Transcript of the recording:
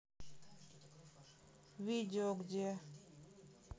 видео где